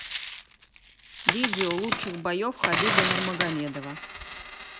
видео лучших боев хабиба нурмагомедова